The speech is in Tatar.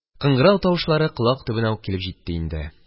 Кыңгырау тавышлары колак төбенә үк килеп җитте инде.